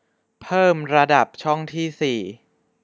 เพิ่มระดับช่องที่สี